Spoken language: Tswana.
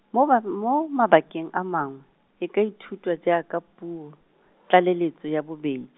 moma b- mo mabakeng a mangwe, e ka ithutwa jaaka puo, tlaleletso ya bobe-.